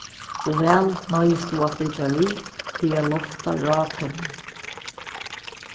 og væl noyðist tú at fylgja við fyri at lofta rákunum